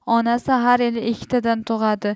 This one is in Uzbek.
onasi har yili ikkitadan tug'adi